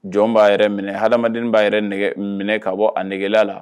Jɔn b'a yɛrɛ minɛ ha adamadamaden b'a yɛrɛ minɛ ka bɔ a degela la